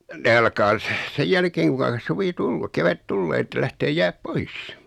ne alkaa - sen jälkeen kuinka suvi - kevät tulee että lähtee jäät pois